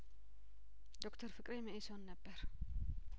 ዶክተር ፍቅሬ መኢሶን ነበር